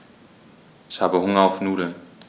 Ich habe Hunger auf Nudeln.